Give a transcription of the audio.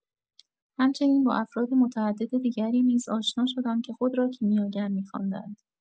هم‌چنین با افراد متعدد دیگری نیز آشنا شدم که خود را کیمیاگر می‌خواندند.